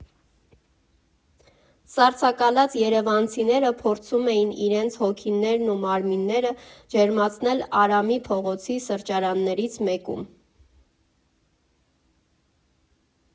Սառցակալած երևանցիները փորձում էին իրենց հոգիներն ու մարմինները ջերմացնել Արամի փողոցի սրճարաններից մեկում։